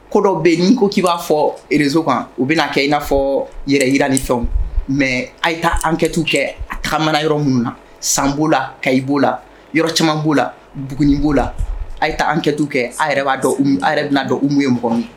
Ko dɔ bɛ n ko k'i b'a fɔrezsoo kan u bɛna kɛ i n'afɔ yɛrɛ yiran ni sɔn mɛ a' taa an kɛtuu kɛ a tagamana yɔrɔ minnu na san b'o la ka b'o la yɔrɔ caman b'o la bugun b'o la a bɛ taa an kɛtuu kɛ a yɛrɛ b'a dɔn yɛrɛ bɛnaa dɔn u ye mɔgɔ ye